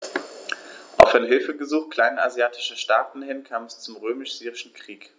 Auf ein Hilfegesuch kleinasiatischer Staaten hin kam es zum Römisch-Syrischen Krieg.